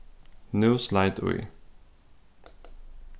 nú sleit í